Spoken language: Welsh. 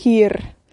hir.